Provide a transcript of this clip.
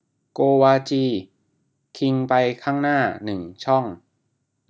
โกวาจีคิงไปข้างหน้าหนึ่งช่อง